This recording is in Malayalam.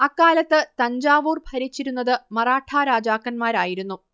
അക്കാലത്ത് തഞ്ചാവൂർ ഭരിച്ചിരുന്നത് മറാഠാ രാജാക്കന്മാരായിരുന്നു